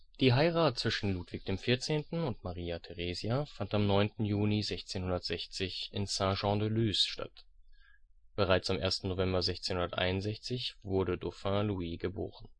Die Heirat zwischen Ludwig XIV. und Maria Theresia fand am 9. Juni 1660 in Saint-Jean-de-Luz statt. Bereits am 1. November 1661 wurde Dauphin Louis geboren